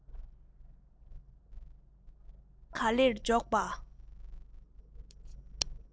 རྐང པ ག ལེར འཇོག པ